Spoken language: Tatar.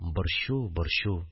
Борчу, борчу